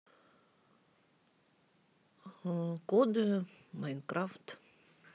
коды майнкрафт